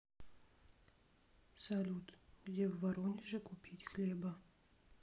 салют где в воронеже купить хлеба